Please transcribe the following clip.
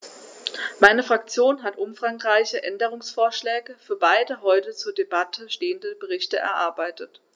Meine Fraktion hat umfangreiche Änderungsvorschläge für beide heute zur Debatte stehenden Berichte erarbeitet.